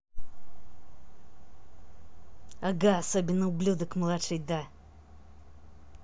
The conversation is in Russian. ага особенно ублюдок младший да